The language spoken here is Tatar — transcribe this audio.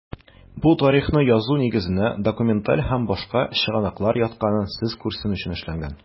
Бу тарихны язу нигезенә документаль һәм башка чыгынаклыр ятканын сез күрсен өчен эшләнгән.